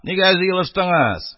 Нигә җыелыштыңыз?..